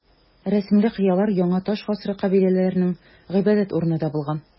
Рәсемле кыялар яңа таш гасыры кабиләләренең гыйбадәт урыны да булган.